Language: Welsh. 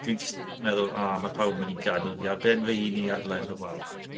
Dwi jyst meddwl, "O, ma' pawb yn mynd i gadael fi ar ben fy hun i adeiladu'r wal 'ma."